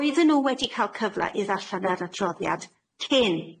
Oedden n'w wedi ca'l cyfle i ddarllan yr adroddiad cyn,